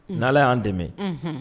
Un n'Ala y'an dɛmɛ unhun